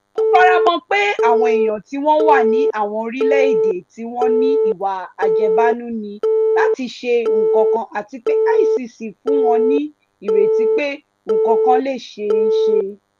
Mo faramọ pé àwọn èèyàn tí wọ́n wà ní àwọn orílẹ̀-èdè tí wọ́n ní ìwà àjẹbánu ní láti ṣe nǹkankan àti pé ICC fún wọn ní ìrètí pé nǹkankan le ṣeéṣe.